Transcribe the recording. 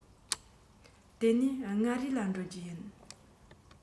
དེ ནས མངའ རིས ལ འགྲོ རྒྱུ ཡིན